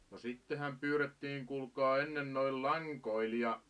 no sittenhän pyydettiin kuulkaa ennen noilla langoilla ja